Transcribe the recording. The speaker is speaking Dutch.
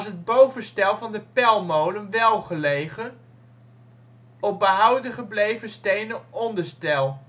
bovenstel van de pelmolen Welgelegen (op behouden gebleven stenen onderstel